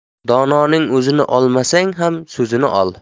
dononing o'zini olmasang ham so'zini ol